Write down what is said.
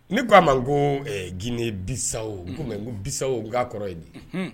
Ne k ko aa ma ko g bisa komi bisa' kɔrɔ ye di